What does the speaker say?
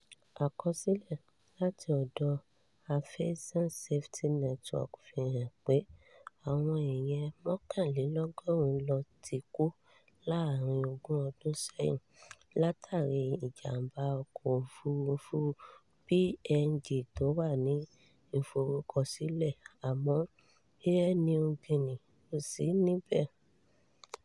Àkọsílẹ̀ láti ọ̀dọ Aviation Safety Network fi hàn pé àwọn èèyàn 111 ló ti kú láàrin ogún ọdún sẹ́yìn látàrí ìjàm̀bá ọkọ-òfúrufú PNG tó wà ní ìforúkọsílẹ̀ , àmọ́ Air Niugini ò sí níbẹ̀.